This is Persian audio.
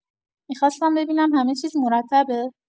می‌خواستم ببینم همه‌چیز مرتبه؟